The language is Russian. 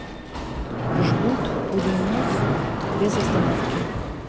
жгут пулемет без остановки